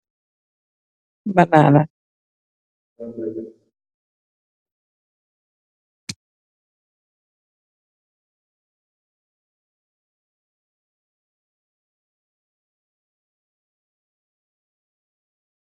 Banana.